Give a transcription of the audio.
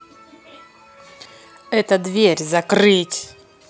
это дверь закрыть